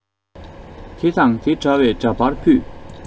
དེ དང དེ འདྲ བའི འདྲ པར ཕུད